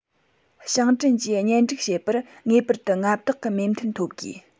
ཞིང བྲན གྱིས གཉེན སྒྲིག བྱེད པར ངེས པར དུ མངའ བདག གི མོས མཐུན ཐོབ དགོས